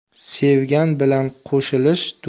sevgan bilan qo'shilish